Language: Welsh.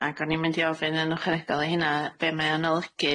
Ac o'n i'n mynd i ofyn yn ychwanegol i hynna be' mae o'n olygu